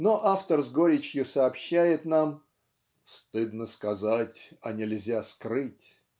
Но автор с горечью сообщает нам ("стыдно сказать а нельзя скрыть")